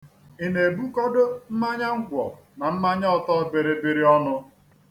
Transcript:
Ị na-ebukọdo mmanya ngwọ na mmanya ọtọbịrịbịrị ọnụ.